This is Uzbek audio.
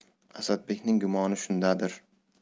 asadbekning gumoni shundadir